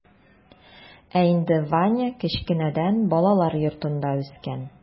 Ә инде ваня кечкенәдән балалар йортында үскән.